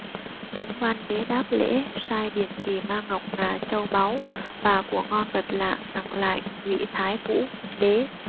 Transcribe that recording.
tống văn đế đáp lễ sai điền kỳ mang ngọc ngà châu báu và của ngon vật lạ tặng lại ngụy thái vũ đế